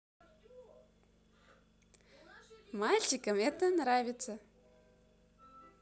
мальчикам это нравится